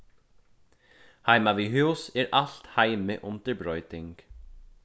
heima við hús er alt heimið undir broyting